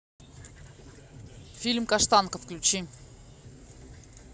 фильм каштанка включи